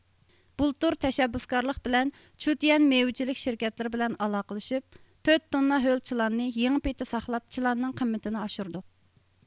بۇلتۇر تەشەببۇسكارلىق بىلەن چۇتيەن مېۋىچىلىك شىركەتلىرى بىلەن ئالاقىلىشىپ تۆت توننا ھۆل چىلاننى يېڭى پىتى ساقلاپ چىلاننىڭ قىممىتىنى ئاشۇردۇق